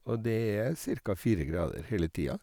Og det er cirka fire grader hele tida.